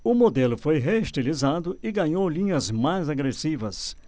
o modelo foi reestilizado e ganhou linhas mais agressivas